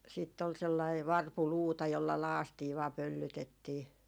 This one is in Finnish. sitten oli sellainen varpuluuta jolla lakaistiin vain pöllytettiin